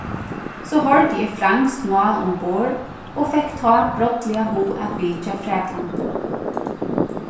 so hoyrdi eg franskt mál umborð og fekk tá brádliga hug at vitja frakland